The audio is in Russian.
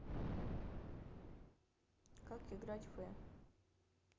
как играть фэ